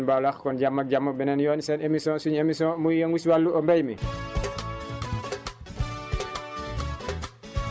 kon di gërëm suñu technicien di Thierno Ibrahima Touré di gërëm ñëpp di sant ñëpp di leen baalu àq kon jàmm ak jàmm beneen yoon seen émission suñu émission buy yëngu si wàllu mbéy mi